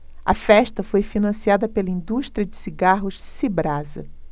a festa foi financiada pela indústria de cigarros cibrasa